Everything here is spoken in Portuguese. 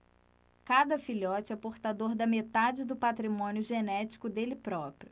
cada filhote é portador da metade do patrimônio genético dele próprio